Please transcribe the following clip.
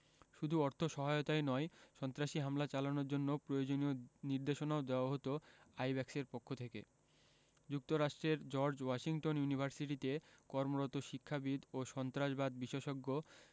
শুধু অর্থসহায়তাই নয় সন্ত্রাসী হামলা চালানোর জন্য প্রয়োজনীয় নির্দেশনাও দেওয়া হতো আইব্যাকসের পক্ষ থেকে যুক্তরাষ্ট্রের জর্জ ওয়াশিংটন ইউনিভার্সিটিতে কর্মরত শিক্ষাবিদ ও সন্ত্রাসবাদ বিশেষজ্ঞ